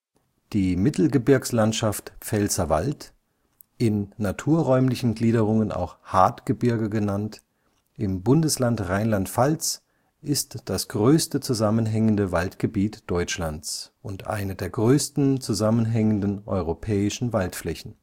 Die Mittelgebirgslandschaft Pfälzerwald (so die amtliche Schreibweise, häufig auch Pfälzer Wald, in naturräumlichen Gliederungen auch Haardtgebirge) im Bundesland Rheinland-Pfalz ist das größte zusammenhängende Waldgebiet Deutschlands und eine der größten zusammenhängenden europäischen Waldflächen